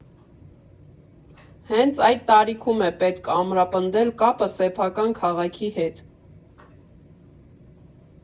Հենց այդ տարիքում է պետք ամրապնդել կապը սեփական քաղաքի հետ։